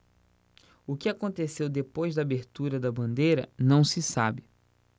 o que aconteceu depois da abertura da bandeira não se sabe